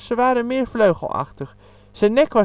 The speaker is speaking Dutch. waren meer vleugel-achtig. Zijn nek